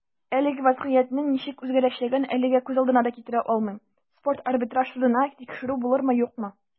Әлеге вәзгыятьнең ничек үзгәрәчәген әлегә күз алдына да китерә алмыйм - спорт арбитраж судында тикшерү булырмы, юкмы.